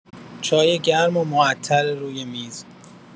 چای گرم و معطر روی میز